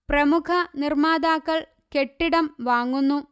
പ്രമുഖ നിർമാതാക്കൾ കെട്ടിടം വാങ്ങുന്നു